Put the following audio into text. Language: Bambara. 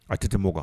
A tɛ tɛ' kan